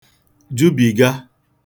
jubìga